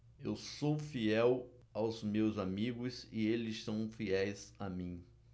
eu sou fiel aos meus amigos e eles são fiéis a mim